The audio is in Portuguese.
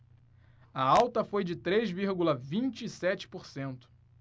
a alta foi de três vírgula vinte e sete por cento